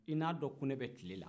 i k'a dɔn ko ne bɛ tile la